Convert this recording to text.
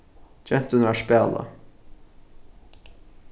genturnar spæla